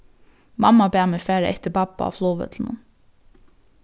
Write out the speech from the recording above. mamma bað meg fara eftir babba á flogvøllinum